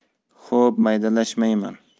xo'p maydalashmayman